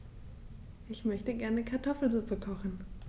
Ich möchte gerne Kartoffelsuppe kochen.